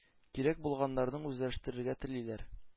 Кирәк булганнарын үзләштерергә телиләр.